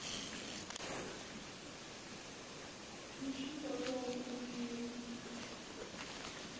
включи пожалуйста фильм